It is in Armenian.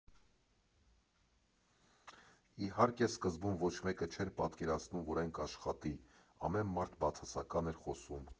Իհարկե, սկզբում ոչ մեկը չէր պատկերացնում, որ այն կաշխատի, ամեն մարդ բացասական էր խոսում։